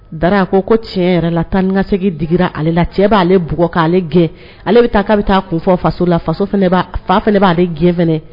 Da a ko ko tiɲɛ yɛrɛ la tan ka segin digira ale la cɛ b'aale bug k'ale gɛn ale bɛ taa k'a bɛ taa kun fɔ faso la faso fa b'ale gɛn